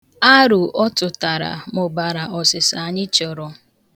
Aro ọ tụtara mụbara ọsịsa anyị achọrọ.